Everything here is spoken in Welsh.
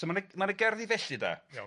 So ma' na ma' na gerddi felly de. Iawn.